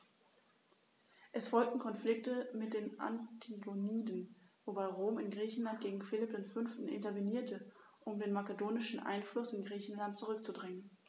Es folgten Konflikte mit den Antigoniden, wobei Rom in Griechenland gegen Philipp V. intervenierte, um den makedonischen Einfluss in Griechenland zurückzudrängen.